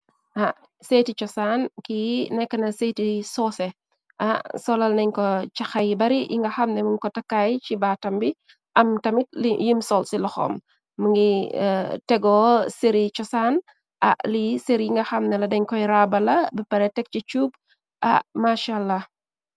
Cetti cosan ki nekkna seeti soose asolal nañ ko ca xay bari. Yi nga xamne muñ ko takaay ci baatam bi am tamit yim sol ci loxoom. Mu ngi tegoo siri chosan alii sër yi nga xamne la dañ koy raabala bi pare teg ci cuug a machalla.